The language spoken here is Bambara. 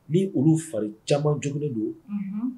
Ni olu fari caman jugulen don